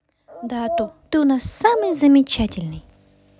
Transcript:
дату ты у нас самый замечательный